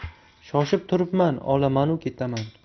shoshib turibman olamanu ketaman